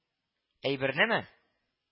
Әйбернеме